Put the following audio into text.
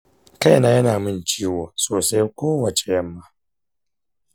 kaina yana min ciwo sosai kowace yamma.